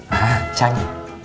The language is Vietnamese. a tranh